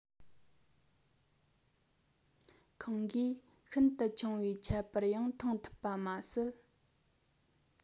ཁོང གིས ཤིན ཏུ ཆུང བའི ཁྱད པར ཡང མཐོང ཐུབ པ མ ཟད